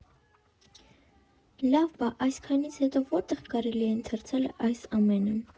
Լավ, բա էսքանից հետո որտե՞ղ կարելի է ընթերցել այս ամենը։